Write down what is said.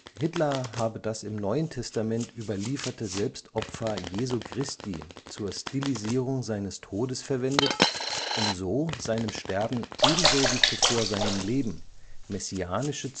Hitler habe das im Neuen Testament überlieferte Selbstopfer Jesu Christi zur Stilisierung seines Todes verwendet, um so seinem Sterben ebenso wie zuvor seinem Leben messianische